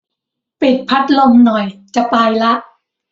ปิดพัดลมหน่อยจะไปละ